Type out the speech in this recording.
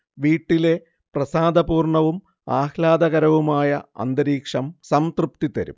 വീട്ടിലെ പ്രസാദപൂർണവും ആഹ്ലാദകരവുമായ അന്തരീക്ഷം സംതൃപ്തി തരും